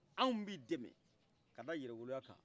anw b'i dɛmɛ ka da yɛrɛwoloya kan